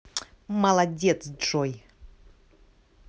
молодец джой